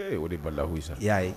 Ee o de balahi sa i y'a ye